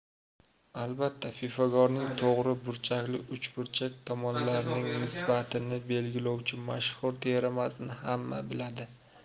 albatta pifagorning to'gri burchakli uchburchak tomonlarining nisbatini belgilovchi mashhur teoremasini hamma biladi